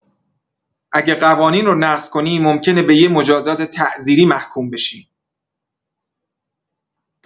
اگه قوانین رو نقض کنی، ممکنه به یه مجازات تعزیری محکوم بشی.